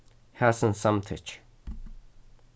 hasin samtykkir